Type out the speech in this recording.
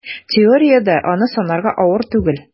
Теориядә аны санарга авыр түгел: